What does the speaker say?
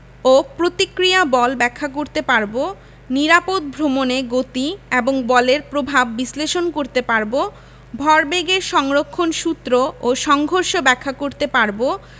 ও প্রতিক্রিয়া বল ব্যাখ্যা করতে পারব নিরাপদ ভ্রমণে গতি এবং বলের প্রভাব বিশ্লেষণ করতে পারব ভরবেগের সংরক্ষণ সূত্র ও সংঘর্ষ ব্যাখ্যা করতে পারব